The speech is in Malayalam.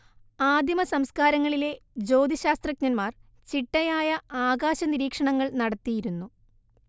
ആദിമസംസ്‌കാരങ്ങളിലെ ജ്യോതിശാസ്ത്രജ്ഞന്മാർ ചിട്ടയായ ആകാശനിരീക്ഷണങ്ങൾ നടത്തിയിരുന്നു